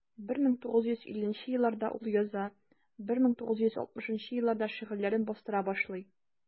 1950 елларда ул яза, 1960 елларда шигырьләрен бастыра башлый.